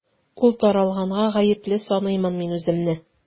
Ул таралганга гаепле саныймын мин үземне.